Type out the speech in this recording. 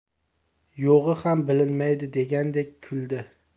yo'g'i ham bilinmaydi degandek kuldi